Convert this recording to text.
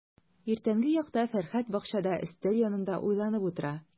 Иртәнге якта Фәрхәт бакчада өстәл янында уйланып утыра.